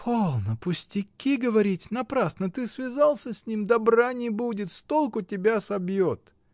— Полно пустяки говорить: напрасно ты связался с ним, — добра не будет, с толку тебя собьет!